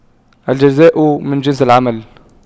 الجزاء من جنس العمل